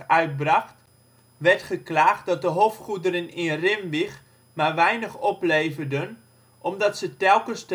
uitbracht, werd geklaagd dat de hofgoederen in Rinwich maar weinig opleverden, omdat ze telkens